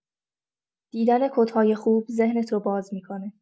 دیدن کدهای خوب، ذهنت رو باز می‌کنه.